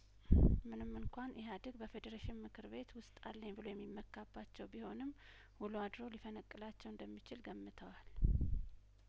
ምንም እንኳን ኢህአዴግ በፌዴሬሽን ምክር ቤት ውስጥ አለኝ ብሎ የሚመካባቸው ቢሆንም ውሎ አድሮ ሊፈነቅላቸው እንደሚችል ገምተዋል